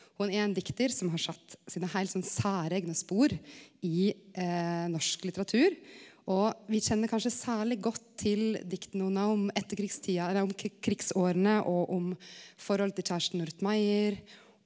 ho er ein diktar som har satt sine heilt sånn særeigne spor i norsk litteratur og vi kjenner kanskje særleg godt til dikta hennar om etterkrigstida eller om krigsårene og om forholdet til kjærasten Ruth Maier.